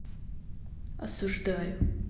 осуждаю